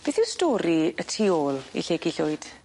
Beth yw stori y tu ôl i Lleucu Llwyd?